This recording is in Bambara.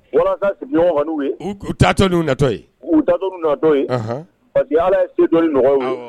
Wau yeu tatu natɔ ye uu datu natɔ ye pa ala ye e dɔ nɔgɔɔgɔw ye